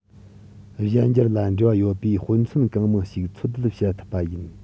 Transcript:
གཞན འགྱུར ལ འབྲེལ བ ཡོད པའི དཔེ མཚོན གང མང ཞིག འཚོལ སྡུད བྱེད ཐུབ པ ཡིན